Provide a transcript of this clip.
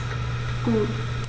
Gut.